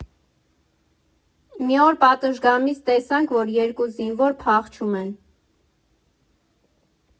Մի օր պատշգամբից տեսանք, որ երկու զինվոր փախչում են։